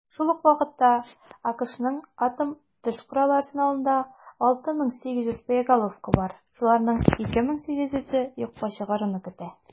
Шул ук вакытта АКШның атом төш коралы арсеналында 6,8 мең боеголовка бар, шуларны 2,8 меңе юкка чыгаруны көтә.